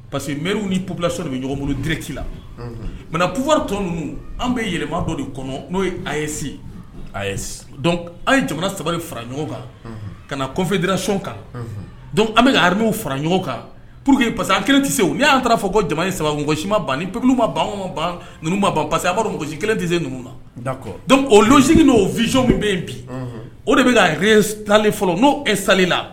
Parce queriw ni ppbila de bɛ ɲɔgɔnkolonti la mɛ pffa tɔnon ninnu an bɛ yɛlɛma dɔ de kɔnɔ n'o yese an ye jamana saba fara ɲɔgɔn kan ka nafedira sɔn kan dɔnku an bɛ haw fara ɲɔgɔn kan pur que pa que an kelen tɛse se u n'an taara fɔ ko jamana saba kosi ma ban nipk ma ban ban ban parce a b'a makosi kelen tɛ se o donsin'o vz min bɛ yen bi o de bɛ yɛrɛ sale fɔlɔ n'o e sala